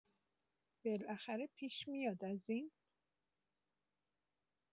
بالاخره پیش میاد از این